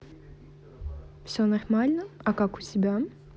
все нормально а как у тебя